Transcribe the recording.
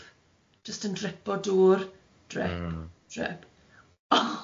Jyst yn dripo dŵr drip drip.